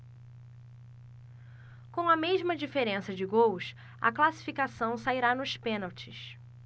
com a mesma diferença de gols a classificação sairá nos pênaltis